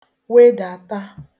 wedàta